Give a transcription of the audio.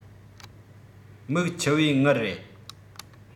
མིག ཆུ བའི དངུལ རེད